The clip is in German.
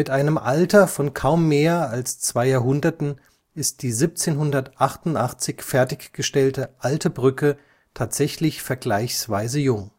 einem Alter von kaum mehr als zwei Jahrhunderten ist die 1788 fertiggestellte Alte Brücke tatsächlich vergleichsweise jung